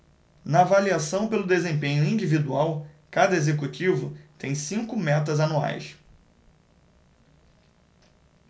na avaliação pelo desempenho individual cada executivo tem cinco metas anuais